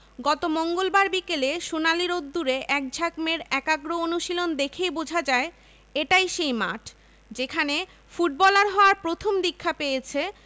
গত মঙ্গলবার বিকেলে সোনালি রোদ্দুরে একঝাঁক মেয়ের একাগ্র অনুশীলন দেখেই বোঝা যায় এটাই সেই মাঠ যেখানে ফুটবলার হওয়ার প্রথম দীক্ষা পেয়েছে